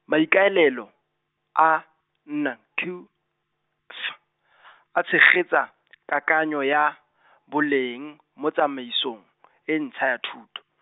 maikaelelo, a, N Q F , a tshegetsa , kakanyo ya, boleng , mo tsamaisong , e ntšha ya thuto.